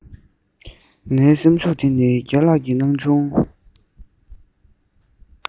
ངའི སེམས ཤུགས དེ ནི རྒན ལགས ཀྱི གནང བྱུང